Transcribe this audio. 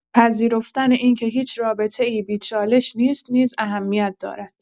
پذیرفتن این که هیچ رابطه‌ای بی‌چالش نیست نیز اهمیت دارد.